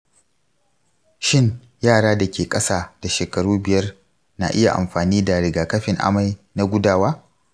shin yara da ke ƙasa da shekaru biyar na iya amfani da rigakafin amai da gudawa?